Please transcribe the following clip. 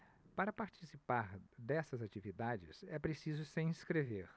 para participar dessas atividades é preciso se inscrever